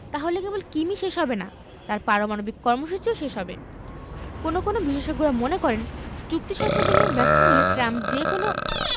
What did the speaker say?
তাহলে কেবল কিমই শেষ হবে না তাঁর পারমাণবিক কর্মসূচিও শেষ হবে কোনো কোনো বিশেষজ্ঞেরা মনে করেন চুক্তি সম্পাদনে ব্যর্থ হলে ট্রাম্প যে কোনো